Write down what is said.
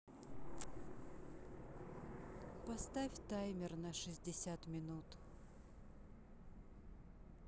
поставь таймер на шестьдесят минут